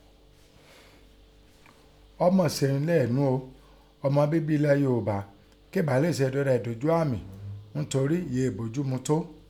Ọ́ mọ̀ í ó seun lẹ́ẹ̀ẹ́nú ún ọmọbíbí elẹ̀ Yoobá kẹ́ẹ̀ bá lè sọ èdè rẹ̀ dójú àmì ńtorí yèé bójú mu tó.